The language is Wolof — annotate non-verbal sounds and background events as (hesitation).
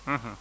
(hesitation) (hesitation)